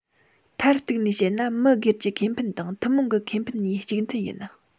མཐར གཏུགས ནས བཤད ན མི སྒེར གྱི ཁེ ཕན དང ཐུན མོང གི ཁེ ཕན གཉིས གཅིག མཐུན ཡིན